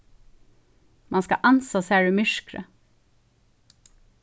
mann skal ansa sær í myrkri